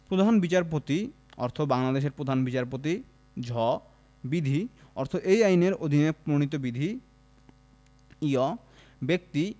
প্রধান বিচারপতি অর্থ বাংলাদেমের প্রধান বিচারপতি ঝ বিধি অর্থ এই আইনের অধীনে প্রণীত বিধি ঞ ব্যক্তি